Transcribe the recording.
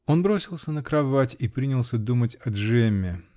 -- Он бросился на кровать -- и принялся думать о Джемме.